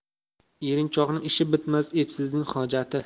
erinchoqning ishi bitmas epsizning hojati